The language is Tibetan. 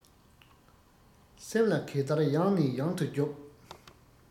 སེམས ལ གད བདར ཡང ནས ཡང དུ རྒྱོབ